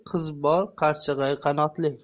qiz bor qarchig'ay qanotli